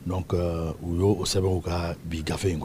Donc u y'o sɛbɛn u ka bi gafe in kɔ